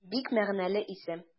Бик мәгънәле исем.